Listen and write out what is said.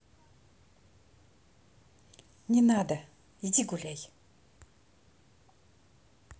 не надо иди гуляй